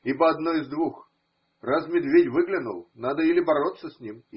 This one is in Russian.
Ибо одно из двух: раз медведь выглянул, надо или бороться с ним.